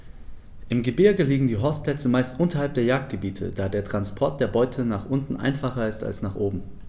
Im Gebirge liegen die Horstplätze meist unterhalb der Jagdgebiete, da der Transport der Beute nach unten einfacher ist als nach oben.